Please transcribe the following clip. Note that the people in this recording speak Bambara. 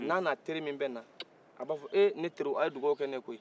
n'a n'a teri min bɛnna a b'a fɔ eee ne teriw a ye dugawu kɛ ne ye koyi